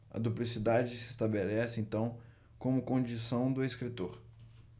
a duplicidade se estabelece então como condição do escritor